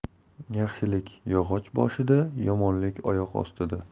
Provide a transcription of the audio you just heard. yaxshilik yog'och boshida yomonlik oyoq ostida